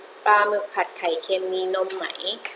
ปลาหมึกผัดไข่เค็มมีนมไหม